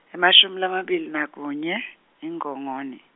emashumi lamabili nakunye iNgongoni.